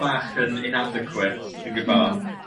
...bach yn inadequate dwy'n gwbo.